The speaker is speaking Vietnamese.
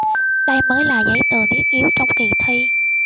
đây mới là giấy tờ thiết yếu trong kì thi